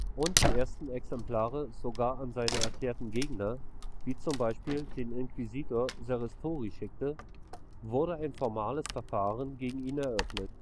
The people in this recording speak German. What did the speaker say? und die ersten Exemplare sogar an seine erklärten Gegner wie z. B. den Inquisitor Serristori schickte, wurde ein formales Verfahren gegen ihn eröffnet